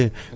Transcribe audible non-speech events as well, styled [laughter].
[hesitation] [hesitation]